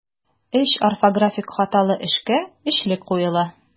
Өч орфографик хаталы эшкә өчле куела.